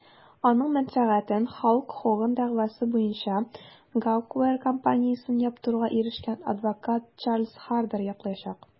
Аның мәнфәгатен Халк Хоган дәгъвасы буенча Gawker компаниясен яптыруга ирешкән адвокат Чарльз Хардер яклаячак.